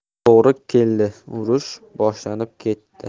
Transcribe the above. to'g'ri keldi urush boshlanib ketdi